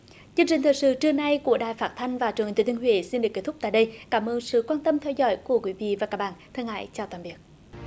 chương trình thời sự trưa nay của đài phát thanh và truyền hình thừa thiên huế xin được kết thúc tại đây cảm ơn sự quan tâm theo dõi của quý vị và các bản thân ái chào tạm biệt